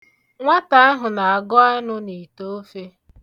Nwata ahụ na-agụ anụ n'ite ofe.